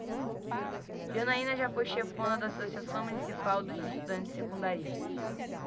janaina foi chefona da ames associação municipal dos estudantes secundaristas